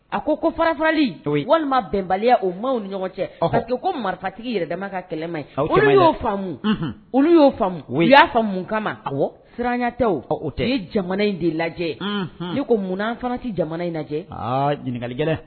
A ko ko fara farali to walima bɛnbaliya o maaw ni ɲɔgɔn cɛ ko marifatigi yɛrɛdama ka kɛlɛma olu y'o faamu olu y'o faamu o y'a faamu mun kama siranya tɛ tɛ ye jamana in de lajɛ ne ko munnaan fana tɛ jamana in lajɛ ɲininkalikɛla